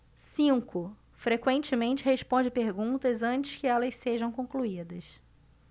cinco frequentemente responde perguntas antes que elas sejam concluídas